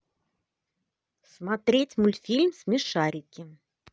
смотреть мультфильм смешарики